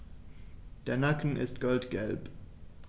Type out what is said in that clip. Der Nacken ist goldgelb.